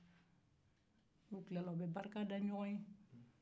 n'i tilara u bɛ barika da ɲɔgɔn ye